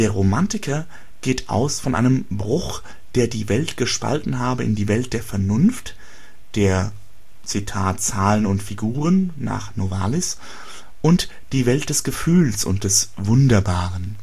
Romantiker geht aus von einem Bruch, der die Welt gespalten habe in die Welt der Vernunft, der „ Zahlen und Figuren “(Novalis), und die Welt des Gefühls und des Wunderbaren